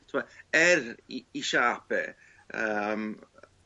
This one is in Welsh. t'bo' er 'i 'i siâp e yym yy